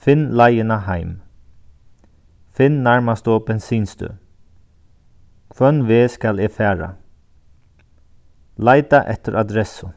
finn leiðina heim finn nærmastu bensinstøð hvønn veg skal eg fara leita eftir adressu